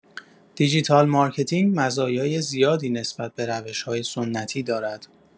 دیجیتال مارکتینگ مزایای زیادی نسبت به روش‌های سنتی دارد.